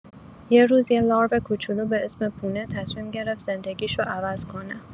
یه روز، یه لارو کوچولو به اسم پونه تصمیم گرفت زندگی‌شو عوض کنه.